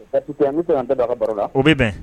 Yan n' tɛ an tɛ daga baro la o bɛ bɛn